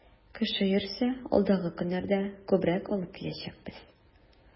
Кеше йөрсә, алдагы көннәрдә күбрәк алып киләчәкбез.